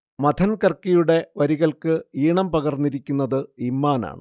മഥൻ കർക്കിയുടെ വരികൾക്ക് ഈണം പകർന്നിരിക്കുന്നത് ഇമ്മാനാണ്